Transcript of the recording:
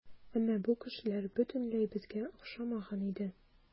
Әмма бу кешеләр бөтенләй безгә охшамаган иде.